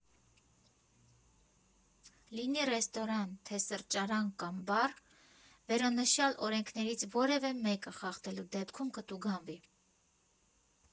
Լինի ռեստորան, թե սրճարան կամ բար, վերոնշյալ օրենքներից որևէ մեկը խախտելու դեպքում կտուգանվի։